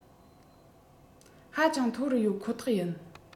ཧ ཅང མཐོ རུ ཡོད ཁོ ཐག ཡིན